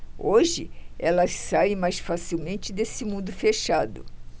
hoje elas saem mais facilmente desse mundo fechado